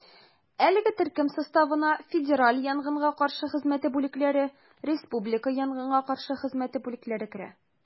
Әлеге төркем составына федераль янгынга каршы хезмәте бүлекләре, республика янгынга каршы хезмәте бүлекләре керә.